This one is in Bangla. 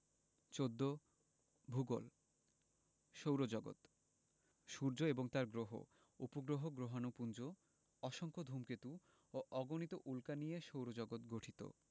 ১৪ ভূগোল সৌরজগৎ সূর্য এবং তার গ্রহ উপগ্রহ গ্রহাণুপুঞ্জ অসংখ্য ধুমকেতু ও অগণিত উল্কা নিয়ে সৌরজগৎ গঠিত